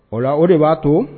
O la o de b'a to